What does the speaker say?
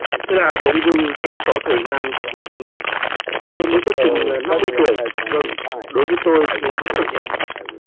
thế là bỗng dưng tôi có thời gian của riêng mình tôi mới có chừng năm mươi tuổi vâng đối với tôi thế vẫn còn trẻ